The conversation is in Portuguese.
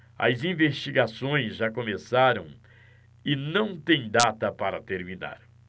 as investigações já começaram e não têm data para terminar